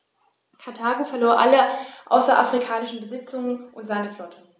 Karthago verlor alle außerafrikanischen Besitzungen und seine Flotte.